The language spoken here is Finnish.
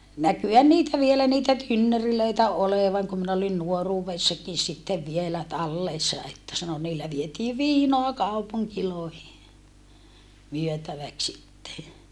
näkyihän niitä vielä niitä tynnyreitä olevan kun minä olin nuoruudessakin sitten vielä tallessa että sanoi niillä vietiin viinaa kaupunkeihin myytäväksi sitten